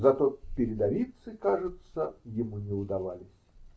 Зато передовицы, кажется, ему не удавались.